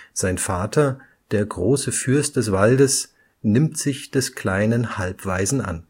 Sein Vater, der große Fürst des Waldes, nimmt sich des kleinen Halbwaisen an